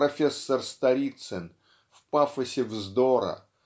профессор Сторицын в пафосе вздора